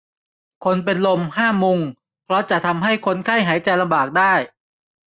คนเป็นลมห้ามมุงเพราะจะทำให้คนไข้หายใจลำบากได้